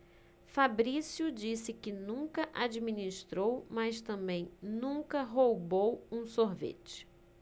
fabrício disse que nunca administrou mas também nunca roubou um sorvete